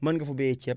mën nga fa bayee ceeb